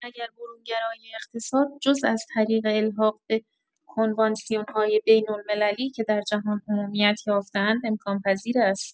مگر برون‌گرایی اقتصاد جز از طریق الحاق به کنوانسیون‌های بین‌المللی که در جهان عمومیت یافته‌اند امکان‌پذیر است؟